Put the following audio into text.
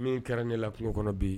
Min kɛra ne la kungo kɔnɔ bɛ yen